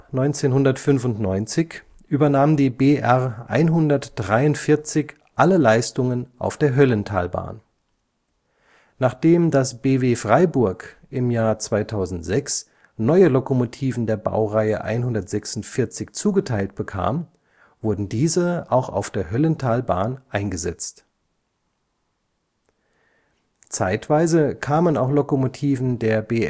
1995 übernahm die BR 143 alle Leistungen auf der Höllentalbahn. Nachdem das BW Freiburg im Jahr 2006 neue Lokomotiven der Baureihe 146 zugeteilt bekam, wurden diese auch auf der Höllentalbahn eingesetzt. Zeitweise kamen auch Lokomotiven der BR